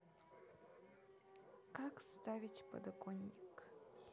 как ставить подоконник